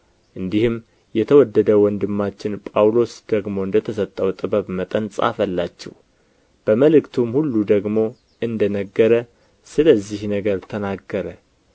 እንዲህም የተወደደው ወንድማችን ጳውሎስ ደግሞ እንደ ተሰጠው ጥበብ መጠን ጻፈላችሁ በመልእክቱም ሁሉ ደግሞ እንደ ነገረ ስለዚህ ነገር ተናገረ